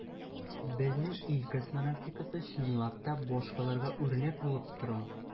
Безнең ил космонавтикасы, чынлап та, башкаларга үрнәк булып тора.